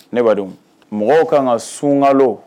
Ne ba mɔgɔw ka kan ka sunkalo